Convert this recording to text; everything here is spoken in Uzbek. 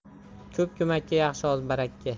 ko'p ko'makka yaxshi oz barakka